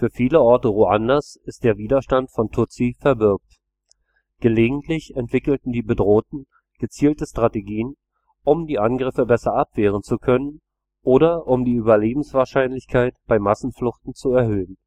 viele Orte Ruandas ist Widerstand von Tutsi verbürgt. Gelegentlich entwickelten die Bedrohten gezielte Strategien, um die Angriffe besser abwehren zu können oder um die Überlebenswahrscheinlichkeit bei Massenfluchten zu erhöhen